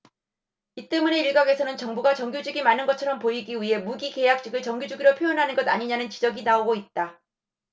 이 때문에 일각에서는 정부가 정규직이 많은 것처럼 보이기 위해 무기계약직을 정규직으로 표현하는 것 아니냐는 지적이 나오고 있다